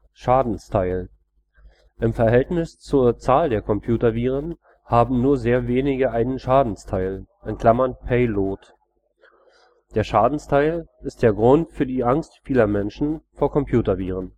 Schadensteil: Im Verhältnis zur Zahl der Computerviren haben nur sehr wenige einen Schadensteil (Payload). Der Schadensteil ist der Grund für die Angst vieler Menschen vor Computerviren